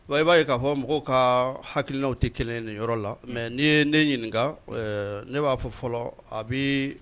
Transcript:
Bon i b'a ye k'a fɔ mɔgɔw ka hakiinaw tɛ kelen ye nin yɔrɔ la, un, mais ni ye ne ɲininka ɛɛ ne b'a fɔ fɔlɔ, a b'i